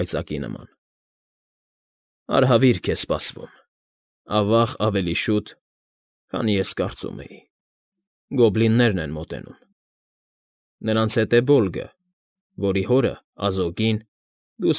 Կայծակի նման։֊ Արհավիրք է սպասվում… Ավա՜ղ, ավելի շուտ, քան ես կարծում էի։ գոբլիններն են մոտենում… Նրանց հետ է Բոլգը, որի հորը՝ Ազոգին, դու։